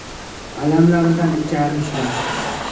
alamlaridan icharmishlar